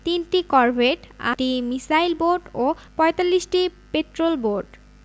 ৩টি করভেট ৮টি missile boat ও ৪৫টি পেট্রল বোট